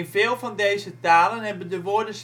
veel van deze talen hebben de woorden